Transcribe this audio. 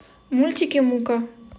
мультики мука